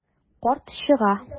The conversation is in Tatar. Карт чыга.